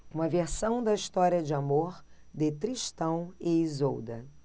uma versão da história de amor de tristão e isolda